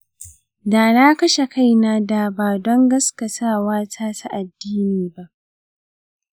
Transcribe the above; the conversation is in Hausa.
da na kashe kaina da ba don gaskatawata ta addini ba.